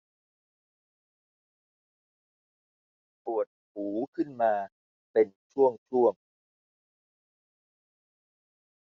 ปวดหูขึ้นมาเป็นช่วงช่วง